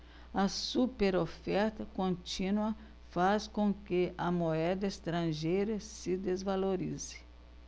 a superoferta contínua faz com que a moeda estrangeira se desvalorize